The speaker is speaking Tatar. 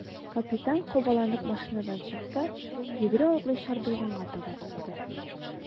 Капитан кабаланып машинадан чыкты, йөгерә-атлый чардуганга таба китте.